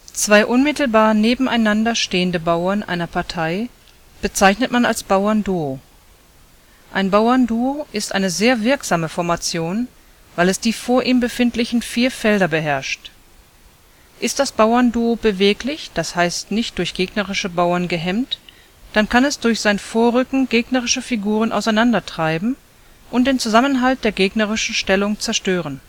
Zwei unmittelbar nebeneinander stehende Bauern einer Partei bezeichnet man als Bauernduo. Ein Bauernduo ist eine sehr wirksame Formation, weil es die vor ihm befindlichen vier Felder beherrscht. Ist das Bauernduo beweglich, das heißt nicht durch gegnerische Bauern gehemmt, dann kann es durch sein Vorrücken gegnerische Figuren auseinander treiben und den Zusammenhalt der gegnerischen Stellung zerstören